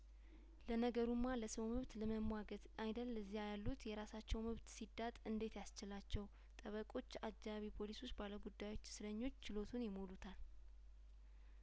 ለነገሩማ ለሰው መብት ለመሟገት አይደል እዚያ ያሉት የራሳቸው መብት ሲዳጥ እንዴት ያስችላቸው ጠበቆች አጃቢ ፖሊሶች ባለጉዳዮች እስረኞች ችሎቱን ይሞሉታል